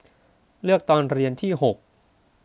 เลือกตอนเรียนที่หก